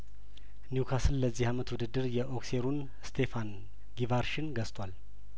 ኒውካስል ለዚህ አመት ውድድር የኦክሴሩን ስቴፋን ጊቫርሽን ገዝቷል